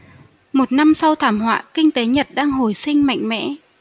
một năm sau thảm họa kinh tế nhật đang hồi sinh mạnh mẽ